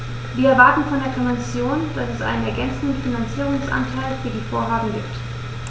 Wir erwarten von der Kommission, dass es einen ergänzenden Finanzierungsanteil für die Vorhaben gibt.